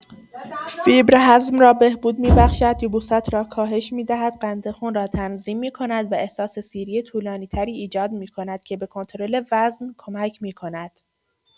فیبر هضم را بهبود می‌بخشد، یبوست را کاهش می‌دهد، قند خون را تنظیم می‌کند و احساس سیری طولانی‌تری ایجاد می‌کند که به کنترل وزن کمک می‌کند.